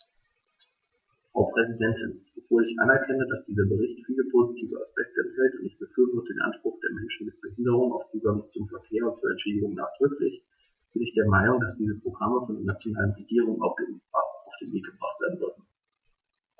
Frau Präsidentin, obwohl ich anerkenne, dass dieser Bericht viele positive Aspekte enthält - und ich befürworte den Anspruch der Menschen mit Behinderung auf Zugang zum Verkehr und zu Entschädigung nachdrücklich -, bin ich der Meinung, dass diese Programme von den nationalen Regierungen auf den Weg gebracht werden sollten.